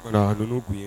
Ko bi